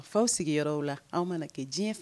A faw sigiyɔrɔ anw mana kɛ diɲɛ